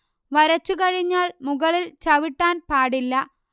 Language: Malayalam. വരച്ചു കഴിഞ്ഞാൽ മുകളിൽ ചവിട്ടാൻ പാടില്ല